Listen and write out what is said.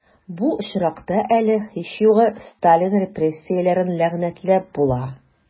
Бу очракта әле, һич югы, Сталин репрессияләрен ләгънәтләп була...